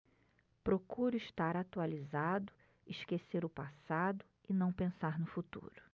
procuro estar atualizado esquecer o passado e não pensar no futuro